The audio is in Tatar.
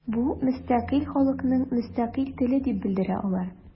Бу – мөстәкыйль халыкның мөстәкыйль теле дип белдерә алар.